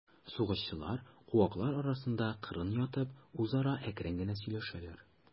Сугышчылар, куаклар арасында кырын ятып, үзара әкрен генә сөйләшәләр.